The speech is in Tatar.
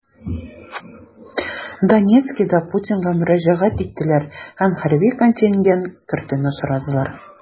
Донецкида Путинга мөрәҗәгать иттеләр һәм хәрби контингент кертүне сорадылар.